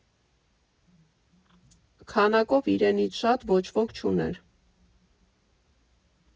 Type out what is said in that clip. Քանակով իրենից շատ ոչ ոք չուներ։